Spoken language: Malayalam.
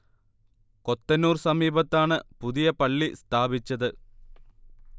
കൊത്തനൂർ സമീപത്താണ് പുതിയ പള്ളി സ്ഥാപിച്ചത്